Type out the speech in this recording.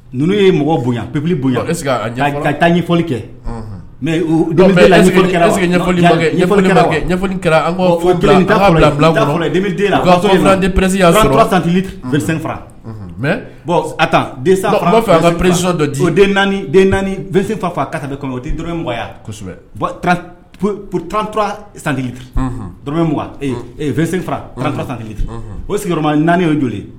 Ninnu ye mɔgɔ bonyayan ppbili bonyayanse ka taa ɲɛfɔli kɛseli ɲɛfɔli kɛra den la pre santi perefa bɔn a fɛ prezsi dɔ den naani naanise fa faga' o tɛ dɔrɔ mugansɛbɛt santigiɔrɔ m vsefa santigi o sigiyɔrɔma naani o joli